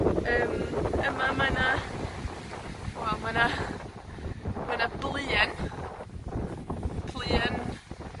Yym, yma mae 'na, wel, mae 'na, mae 'na bluen. Pluen